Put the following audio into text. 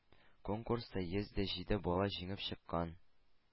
Конкурста йөз дә җиде бала җиңеп чыккан.